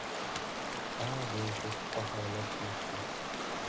xa deyishib xoxolab kulishdi